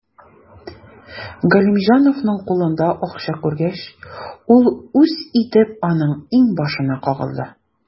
Галимҗановның кулында акча күргәч, ул үз итеп аның иңбашына кагылды.